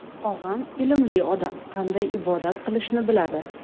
og'am ilmli odam qanday ibodat qilishni biladi